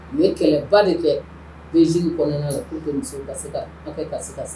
U kɛmɛba de kɛ bɛ jiri kɔnɔna' ka muso kasi' kɛ kasi sa